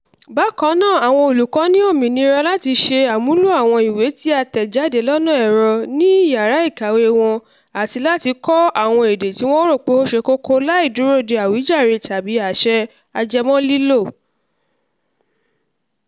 Bákan náà, àwọn olùkọ́ ní omìnira láti ṣe àmúlò àwọn ìwé tí a tẹ̀ jáde lọ́nà ẹ̀rọ ní àwọn iyàrá ìkàwé wọn àti láti kọ́ àwọn èdè tí wọ́n rò pé ó ṣe kókó láì dúró dé àwíjàre tàbí àṣẹ ajẹmọ́ lílò.